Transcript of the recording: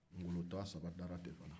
n'golo twa saba dara ten fana